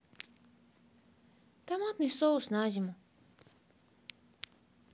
томатный соус на зиму